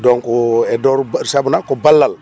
donc